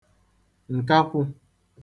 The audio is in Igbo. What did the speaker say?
ǹkakwụ̄